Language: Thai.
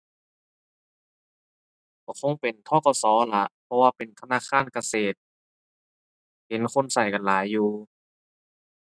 ก็คงเป็น ธ.ก.ส. ล่ะ เพราะว่าเป็นธนาคารเกษตร เห็นคนก็กันหลายอยู่